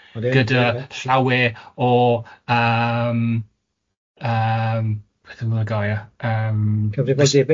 Odyn odyn. Gyda llawer o yym yym gwbo y gair yym... Cyfrifoldebe?